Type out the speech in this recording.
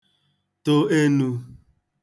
to enu